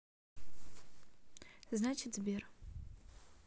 значит сбер